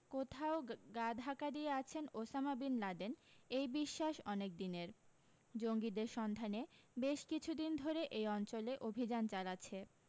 কোথাও গা ঢাকা দিয়ে আছেন ওসামা বিন লাদেন এই বিশ্বাস অনেকদিনের জঙ্গিদের সন্ধানে বেশ কিছুদিন ধরে এই অঞ্চলে অভি্যান চালাচ্ছে